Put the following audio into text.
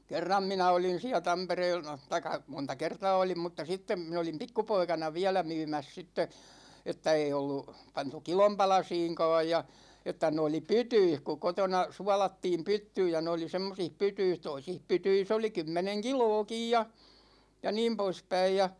kerran minä olin siellä - tai monta kertaa olin mutta sitten minä olin pikkupoikana vielä myymässä sitten että ei ollut pantu kilon palasiinkaan ja että ne oli pytyissä kun kotona suolattiin pyttyyn ja ne oli semmoisissa pytyissä toisissa pytyissä oli kymmenen kiloakin ja ja niin poispäin ja